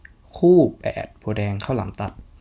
คู่แปดโพธิ์แดงข้าวหลามตัด